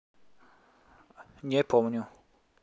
не помню